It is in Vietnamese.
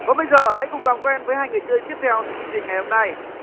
còn bây giờ hãy cùng làm quen với hai người chơi tiếp theo chương trình ngày hôm nay